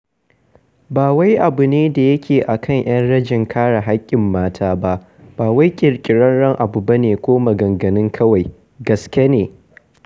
Ba wai abu ne da yake a kan 'yan rajin kare haƙƙin mata ba, ba wai ƙirƙirarren abu ba ne ko maganganun kawai: GASKE NE!